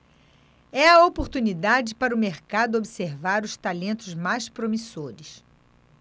é a oportunidade para o mercado observar os talentos mais promissores